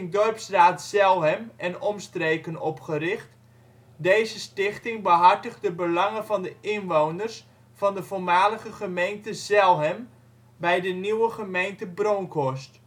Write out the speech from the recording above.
Dorpsraad Zelhem en omstreken opgericht. Deze stichting behartigt de belangen van de inwoners van de voormalige gemeente Zelhem bij de nieuwe gemeente Bronckhorst